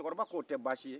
a ko o tɛ baasi ye